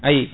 ayi